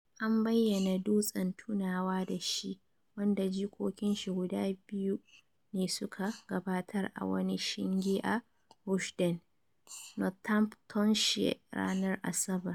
An bayyana dutsen tunawa da shi wanda jikokin shi guda biyu ne suka gabatar a wani shinge a Rushden, Northamptonshire, ranar Asabar.